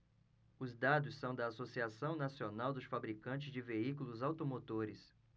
os dados são da anfavea associação nacional dos fabricantes de veículos automotores